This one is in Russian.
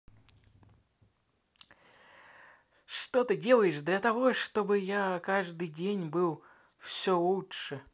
что ты делаешь для того чтобы я каждым днем был все лучше